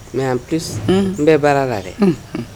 Mɛ n bɛɛ baara la dɛ